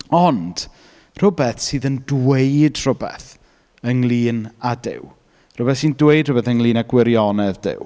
Ond rhywbeth sydd yn dweud rhywbeth ynglyn â Duw. Rhywbeth sy'n dweud rhywbeth ynglyn â gwirionedd Duw.